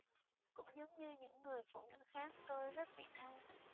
cũng giống như những người phụ nữ khác tôi rất vị tha